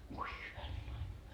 voi hyvänen aika